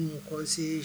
Nos conseillers